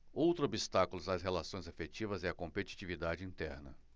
outro obstáculo às relações afetivas é a competitividade interna